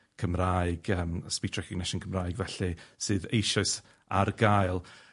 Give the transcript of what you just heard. Cymraeg yym speech recognition Cymraeg felly sydd eisoes ar gael